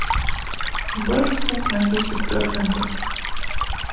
убавь звук на десять процентов